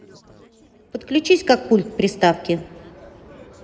подключись как пульт к приставке